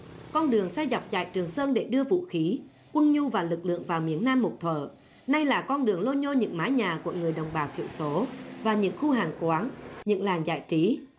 con đường sai dọc dải trường sơn để đưa vũ khí quân nhu và lực lượng vào miền nam một thờ nay là con đường lô nhô những mái nhà của người đồng bào thiểu số và những khu hàng quán những làng giải trí